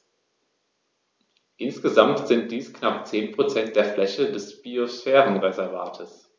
Insgesamt sind dies knapp 10 % der Fläche des Biosphärenreservates.